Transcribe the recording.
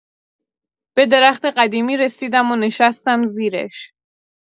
به درخت قدیمی رسیدم و نشستم زیرش.